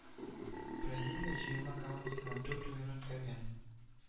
Бразилия җыелма командасында дүрт уен үткәргән